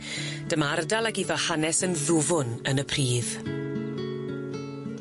Dyma ardal ag iddo hanes yn ddwfwn yn y pridd.